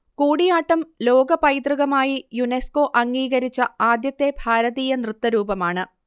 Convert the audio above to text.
കൂടിയാട്ടം ലോകപൈതൃകമായി യുനെസ്കോ അംഗീകരിച്ച ആദ്യത്തെ ഭാരതീയ നൃത്തരൂപമാണ്